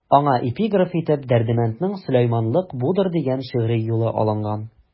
Аңа эпиграф итеп Дәрдмәнднең «Сөләйманлык будыр» дигән шигъри юлы алынган.